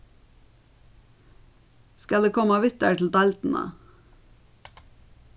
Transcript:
skal eg koma við tær til deildina